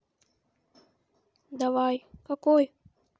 давай какой